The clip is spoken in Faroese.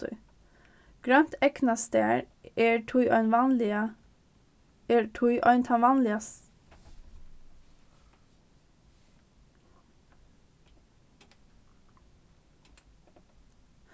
tí grønt eygnastar er tí ein vanliga er tí ein tann